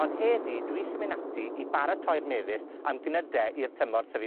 On' heddi, dwi isio myn' ati i baratoi'r mefus am gnyde i'r tymor tryfu